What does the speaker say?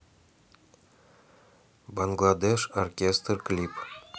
бангладеш оркестр клип